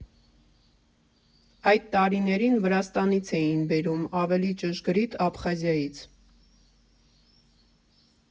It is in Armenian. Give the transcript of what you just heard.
Այդ տարիներին Վրաստանից էին բերում, ավելի ճշգրիտ՝ Աբխազիայից։